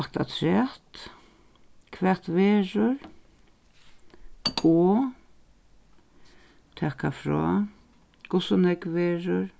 lagt afturat hvat verður og taka frá hvussu nógv verður